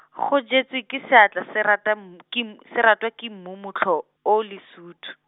go jetswe ke seatla se rata mm- ke mm- se ratwa ke mmu motlho, o o lesuthu.